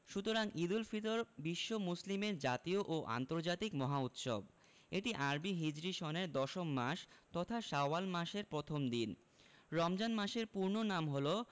সুতরাং ঈদুল ফিতর বিশ্ব মুসলিমের জাতীয় ও আন্তর্জাতিক মহা উৎসব এটি আরবি হিজরি সনের দশম মাস তথা শাওয়াল মাসের প্রথম দিন রমজান মাসের পূর্ণ নাম হলো